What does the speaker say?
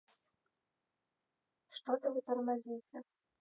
что то вы тормозите